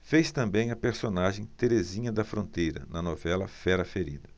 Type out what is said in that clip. fez também a personagem terezinha da fronteira na novela fera ferida